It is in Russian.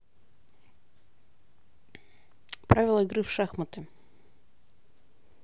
правила игры в шахматы